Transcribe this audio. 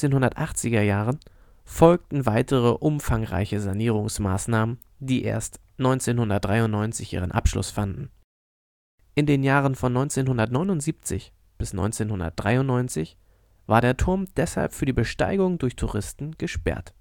1980er Jahren folgten weitere umfangreiche Sanierungsmaßnahmen, die erst 1993 ihren Abschluss fanden. In den Jahren von 1979 bis 1993 war der Turm deshalb für die Besteigung durch Touristen gesperrt